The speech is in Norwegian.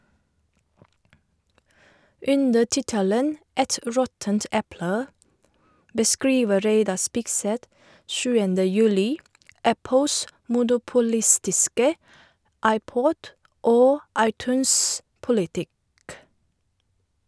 Under tittelen «Et råttent eple» beskriver Reidar Spigseth 7. juli Apples monopolistiske iPod- og iTunes-politikk.